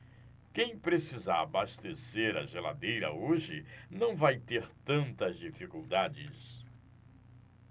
quem precisar abastecer a geladeira hoje não vai ter tantas dificuldades